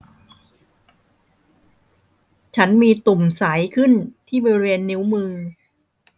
ฉันมีตุ่มใสขึ้นที่บริเวณนิ้วมือ